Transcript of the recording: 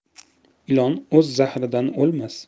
ilon o'z zahridan o'lmas